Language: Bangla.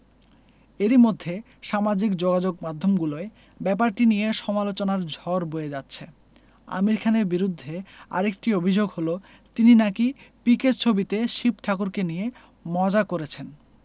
এরই মধ্যে সামাজিক যোগাযোগমাধ্যমগুলোয় ব্যাপারটি নিয়ে সমালোচনার ঝড় বয়ে যাচ্ছে আমির খানের বিরুদ্ধে আরেকটি অভিযোগ হলো তিনি নাকি পিকে ছবিতে শিব ঠাকুরকে নিয়ে মজা করেছেন